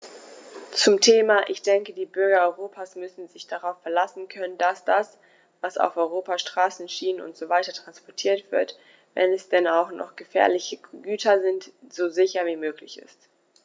Zum Thema: Ich denke, die Bürger Europas müssen sich darauf verlassen können, dass das, was auf Europas Straßen, Schienen usw. transportiert wird, wenn es denn auch noch gefährliche Güter sind, so sicher wie möglich ist.